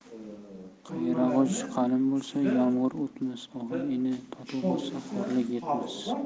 qayrag'och qalin bo'lsa yomg'ir o'tmas og'a ini totuv bo'lsa xo'rlik yetmas